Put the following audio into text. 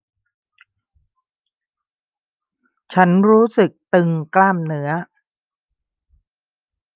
ฉันรู้สึกตึงกล้ามเนื้อ